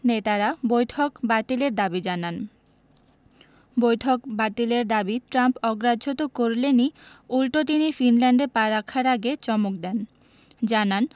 নেতারা বৈঠক বাতিলের দাবি জানান বৈঠক বাতিলের দাবি ট্রাম্প অগ্রাহ্য তো করলেনই উল্টো তিনি ফিনল্যান্ডে পা রাখার আগে চমক দেন জানান